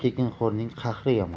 tekinxo'rning qahri yomon